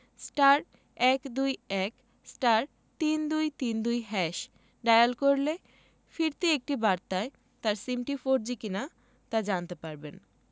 *১২১*৩২৩২# dial করলে ফিরতি একটি বার্তায় তার সিমটি ফোরজি কিনা তা জানতে পারবেন